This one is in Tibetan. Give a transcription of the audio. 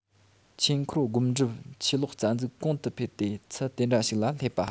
ཆོས འཁོར སྒོམ སྒྲུབ ཆོས ལོག རྩ འཛུགས གོང དུ འཕེལ ཏེ ཚད དེ འདྲ ཞིག ལ སླེབས པ